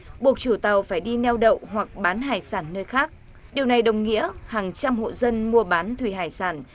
buộc chủ tàu phải đi neo đậu hoặc bán hải sản nơi khác điều này đồng nghĩa hàng trăm hộ dân mua bán thủy hải sản